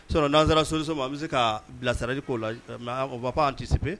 So nansara sosoma an bɛ se ka bila sarali ko la mɛ' fɔ an tɛbi